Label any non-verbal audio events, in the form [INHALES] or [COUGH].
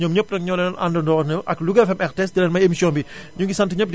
ñoom ñépp nag ñoo doon àndandoo ak Louga FM RTS di leen may émission bi [INHALES] ñu ngi sant ñépp